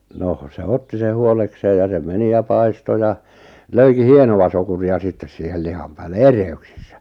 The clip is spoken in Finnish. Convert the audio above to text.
no se otti sen huolekseen ja se meni ja paistoi ja löikin hienoa sokeria sitten siihen lihan päälle erehdyksessä